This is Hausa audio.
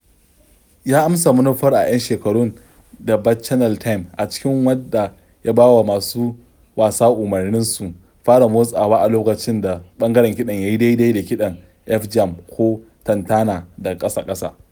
Ya amsa manufar a 'yan shekaru da "Bacchanal Time", a cikin wadda ya ba wa masu wasa umarnin su "fara motsawa" a lokacin da ɓangaren kiɗan ya yi daidai da kiɗan "F-jam" ko "tantana" daga ƙasa-ƙasa.